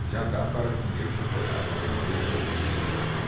já dá para comer chocolate sem peso na consciência